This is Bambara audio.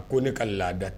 A ko ne ka laada